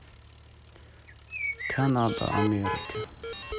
канада америка